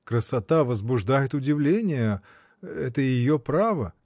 — Красота возбуждает удивление: это ее право.